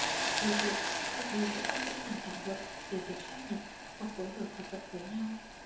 tuy vậy các bên vẫn không sẵn sàng thảo luận về việc sáp nhập hoặc phối hợp hoạt động với nhau